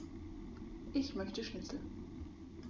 Ich möchte Schnitzel.